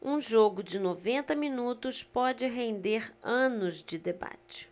um jogo de noventa minutos pode render anos de debate